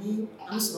N' sɔrɔ